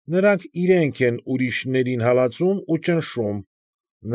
Նրանք իրենք են ուրիշներին հալածում ու ճնշում։